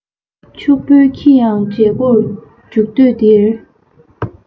ཕྱུག པོའི ཁྱི ཡང གྲལ མགོར འཇོག དུས འདིར